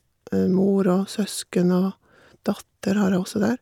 Mor og søsken og datter har jeg også der.